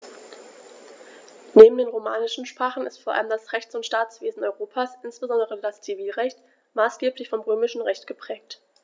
Neben den romanischen Sprachen ist vor allem das Rechts- und Staatswesen Europas, insbesondere das Zivilrecht, maßgeblich vom Römischen Recht geprägt.